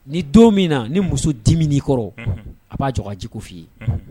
Ni don min na ni muso dimini kɔrɔ a b'a jɔjugu f' ii ye